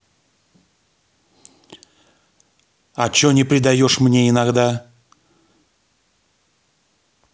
а че не предаешь мне иногда